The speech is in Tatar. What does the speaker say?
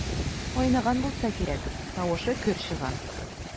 Айныган булса кирәк, тавышы көр чыга.